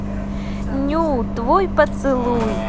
nю твой поцелуй